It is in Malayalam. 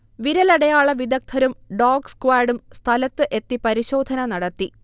വിരലടയാള വിധഗ്ധരും ഡോഗ്സ്ക്വാഡും സ്ഥലത്ത് എത്തി പരിശോധന നടത്തി